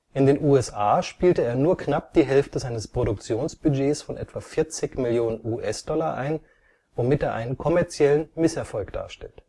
In den USA spielte er nur knapp die Hälfte seines Produktionsbudgets von etwa 40 Millionen US-$ ein, womit er einen kommerziellen Misserfolg darstellt